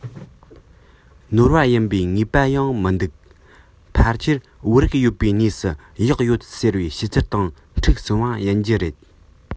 ནོར བ ཡིན པའི ངེས པ ཡང མི འདུག ཕལ ཆེར བོད རིགས ཡོད པའི གནས སུ གཡག ཡོད ཟེར བའི བཤད ཚུལ དང འཁྲུག སོང བ ཡིན རྒྱུ རེད